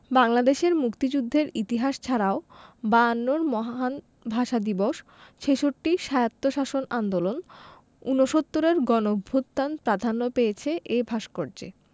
বাংলাদেশের মুক্তিযুদ্ধের ইতিহাস ছাড়াও বায়ান্নর মহান ভাষা দিবস ছেষট্টির স্বায়ত্তশাসন আন্দোলন উনসত্তুরের গণঅভ্যুত্থান প্রাধান্য পেয়েছে এ ভাস্কর্যে